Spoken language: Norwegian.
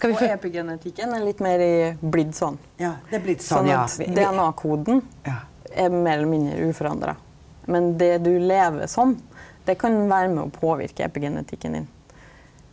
og epigenetikken har litt meir i vorte sånn, sånn at DNA-koden er meir eller mindre uforandra, men det du lever som det kan vera med å påverka epigenetikken din.